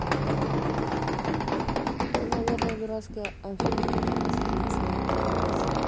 ты наверное дурацкая афина потому что ты ничего не понимаешь